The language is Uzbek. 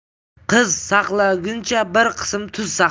qiz saqlaguncha bir siqim tuz saqla